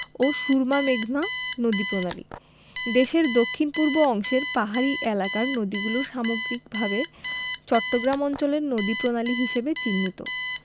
ও সুরমা মেঘনা নদীপ্রণালী দেশের দক্ষিণ পূর্ব অংশের পাহাড়ী এলাকার নদীগুলো সামগ্রিকভাবে চট্টগ্রাম অঞ্চলের নদীপ্রণালী হিসেবে চিহ্নিত